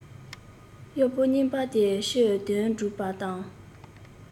གཡོག པོ རྙིང པ དེ ཕྱིར དོན སྒྲུབ པར བཏང